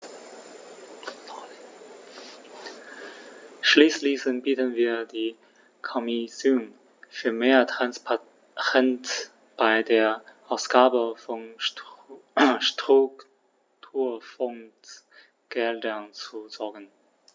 Schließlich bitten wir die Kommission, für mehr Transparenz bei der Ausgabe von Strukturfondsgeldern zu sorgen.